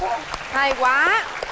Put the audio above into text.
hay quá